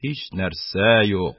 Һичнәрсә юк